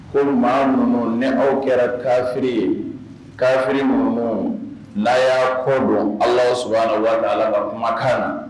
Ko maa numu ne aw kɛra kafiri ye kafi la'a kɔ don alaaw s waga ala kumakan na